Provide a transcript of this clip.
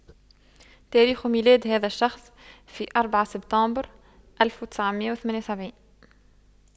تاريخ ميلاد هذا الشخص في أربعة سبتمبر ألف وتسعمئة وثمان وسبعين